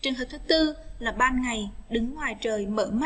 truyền hình thứ tư là ban ngày đứng ngoài trời mưa